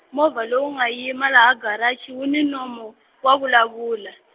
movha lowu nga yima laha garachi wu ni nomu, wa vulavula.